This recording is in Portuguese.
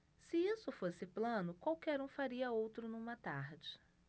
se isso fosse plano qualquer um faria outro numa tarde